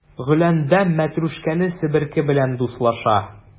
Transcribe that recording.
Гөләндәм мәтрүшкәле себерке белән дуслаша.